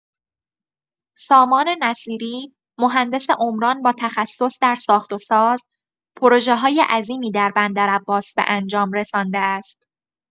سامان نصیری، مهندس عمران با تخصص در ساخت‌وساز، پروژه‌های عظیمی در بندر عباس به انجام رسانده است.